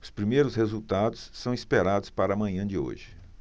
os primeiros resultados são esperados para a manhã de hoje